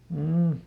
mm